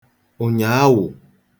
ụ̀nyàawụ̀